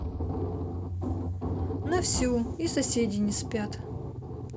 на всю и соседи не спят